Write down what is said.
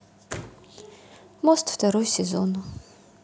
мост второй сезон